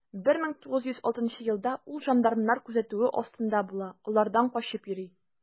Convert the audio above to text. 1906 елда ул жандармнар күзәтүе астында була, алардан качып йөри.